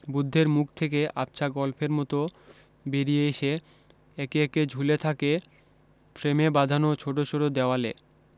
বৃদ্ধের মুখ থেকে আবছা গল্পের মতো বেরিয়ে এসে একে একে ঝুলে থাকে ফ্রেমে বাঁধানো ছোটো ছোটো দেওয়ালে